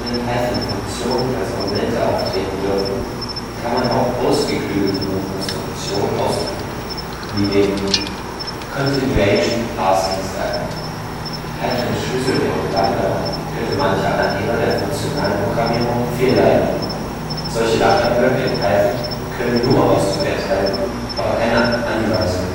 Python Funktionen als Argumente auftreten dürfen, kann man auch ausgeklügeltere Konstruktionen ausdrücken, wie den Continuation-passing style. Pythons Schlüsselwort lambda könnte manche Anhänger der funktionalen Programmierung fehlleiten. Solche lambda-Blöcke in Python können nur Ausdrücke enthalten, aber keine Anweisungen